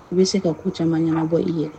U bɛ se ka ku caman ɲɛna bɔ i kɛ